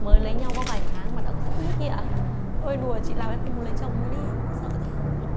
mới lấy nhau có vài tháng mà đã có xích mích ý ạ eo ơi đùa chị làm em không muốn lấy chồng luôn ý sợ thế